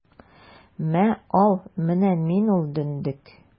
Мә, ал, менә мин ул дөндек!